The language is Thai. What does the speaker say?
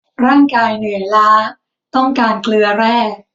ร่างกายเหนื่อยล้าต้องการเกลือแร่